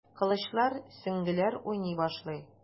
Кылычлар, сөңгеләр уйный башлый.